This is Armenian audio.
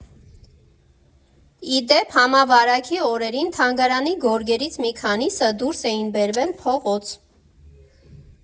Ի դեպ, համավարակի օրերին թանգարանի գորգերից մի քանիսը դուրս էին բերվել փողոց։